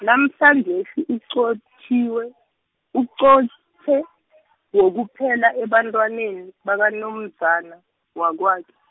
namhlanjesi uqotjhiwe, uqotjhe, wokuphela ebantwaneni, bakonomzana, wakwakhe .